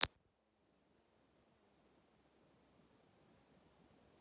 найти айхерб